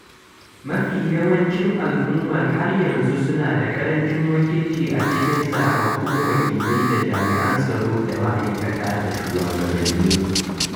Mafi yawancin al'ummar har yanzu suna da ƙarancin wakilci a cikin zaɓaɓɓun wakilai da jami'an tsaro da ma'aikata da shugabanni.